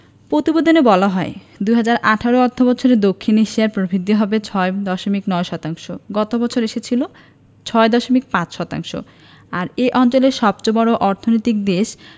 প্রতিবেদনে বলা হয় ২০১৮ অর্থবছরে দক্ষিণ এশিয়ায় প্রবৃদ্ধি হবে ৬.৯ শতাংশ গত বছর এসেছিল ৬.৫ শতাংশ আর এ অঞ্চলের সবচেয়ে বড় অর্থনৈতিক দেশ